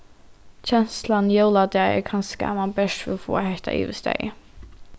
kenslan jóladag er kanska at mann bert vil fáa hetta yvirstaðið